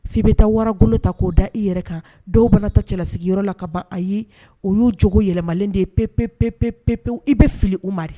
F'i be taa wara golo ta k'o da i yɛrɛ kan dɔw mana taa cɛlasigiyɔrɔ la ka ban ayi o y'u jogo yɛlɛmalen de ye pepepepepepewu i be fili u ma de